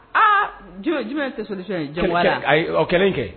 Aa jumɛ ye tɛsɔlifɛn ye ja kɛlen kɛ